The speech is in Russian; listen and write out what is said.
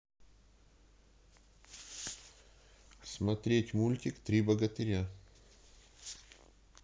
смотреть мультик три богатыря